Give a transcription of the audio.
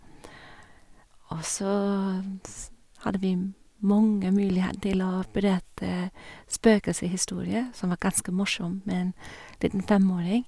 Og så s hadde vi m mange mulighet til å berette spøkelseshistorier, som var ganske morsomt med en liten femåring.